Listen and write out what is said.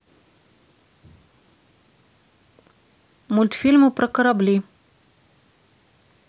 мультфильмы про корабли